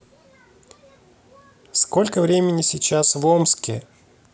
сколько времени сейчас в омске